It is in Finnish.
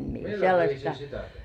milläs viisiin sitä tehtiin